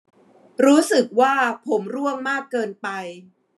รู้สึกว่าผมร่วงมากเกินไป